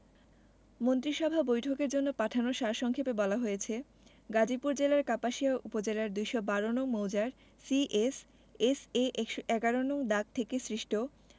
মন্ত্রিসভা বৈঠকের জন্য পাঠানো সার সংক্ষেপে বলা হয়েছে গাজীপুর জেলার কাপাসিয়া উপজেলার ২১২ নং মৌজার সি এস এস এ ১১১ নং দাগ থেকে সৃষ্ট